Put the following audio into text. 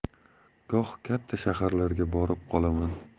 goh katta shaharlarga borib qolaman